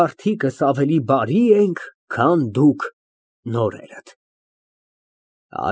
Մարդիկս ավելի բարի ենք, քան դուք, նորերդ։